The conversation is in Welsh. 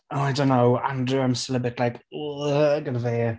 O I don't know. Andrew I'm still a bit like yy, gyda fe.